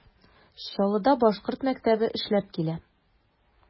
Чаллыда башкорт мәктәбе эшләп килә.